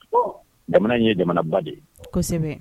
Bon jamana in ye jamana ba de ye kosɛbɛ